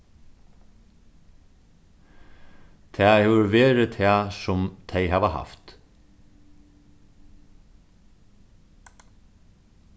tað hevur verið tað sum tey hava havt